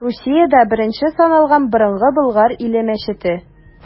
Русиядә беренче саналган Борынгы Болгар иле мәчете.